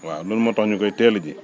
waaw loolu moo tax ñu koy teel a ji